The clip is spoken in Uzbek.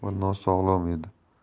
va nosog'lom edi